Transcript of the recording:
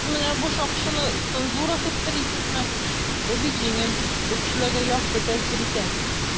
"сез менә бу шакшыны цензурасыз телисезме?" - бу бик җиңел, бу кешеләргә яхшы тәэсир итә.